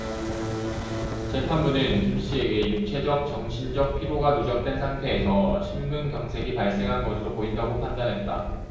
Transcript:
재판부는 김씨에게 육체적 정신적 피로가 누적된 상태에서 심근경색이 발생한 것으로 보인다고 판단했다